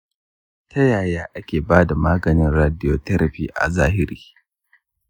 ta yaya ake ba da maganin radiotherapy a zahiri?